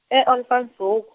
e- Olifantshoek.